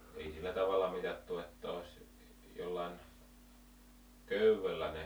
ei sillä tavalla mitattu että olisi jollakin köydellä ne -